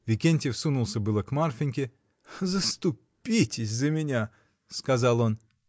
Викентьев сунулся было к Марфиньке. — Заступитесь за меня! — сказал он.